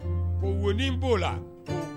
O win b'o la